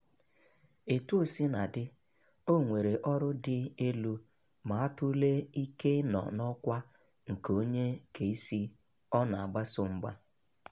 Etuosinadị, o nwere ọrụ dị elu ma a tụlee ike ị nọ n'ọkwa nke onye keisi ọ na-agbaso mgba.